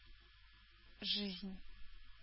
Жизнь